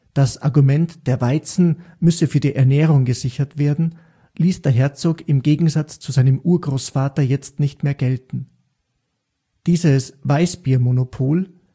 Das Argument, der Weizen müsse für die Ernährung gesichert werden, ließ der Herzog im Gegensatz zu seinem Urgroßvater jetzt nicht mehr gelten. Dieses Weißbiermonopol